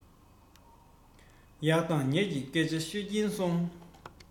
ཡག དང ཉེས ཀྱི སྐད ཆ ཤོད ཀྱིན སོང